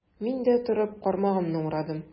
Мин дә, торып, кармагымны урадым.